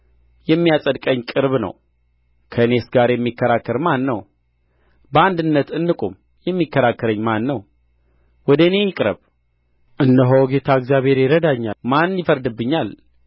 የሚያጸድቀኝ ቅርብ ነው ከእኔስ ጋር የሚከራከር ማን ነው በአንድነት እንቁም የሚከራከረኝ ማን ነው ወደ እኔ ይቅረብ እነሆ ጌታ እግዚአብሔር ይረዳኛል ማን ይፈርድብኛል